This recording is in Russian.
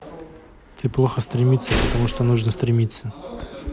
ты плохо стремится потому что нужно стремиться